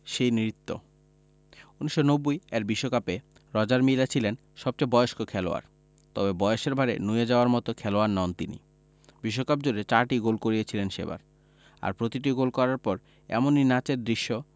সেই নৃত্য ১৯৯০ এর বিশ্বকাপে রজার মিলা ছিলেন সবচেয়ে বয়স্ক খেলোয়াড় তবে বয়সের ভাঁড়ে নুয়ে যাওয়ার মতো খেলোয়াড় নন তিনি বিশ্বকাপজুড়ে চারটি গোল করিয়েছিলেন সেবার আর প্রতিটি গোল করার পর এমনই নাচের দৃশ্যে